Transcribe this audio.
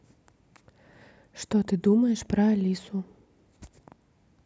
что ты думаешь про алису